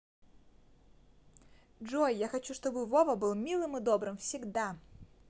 джой я хочу чтобы вова был милым и добрым всегда